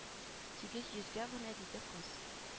Сигез йөзгә генә диде кыз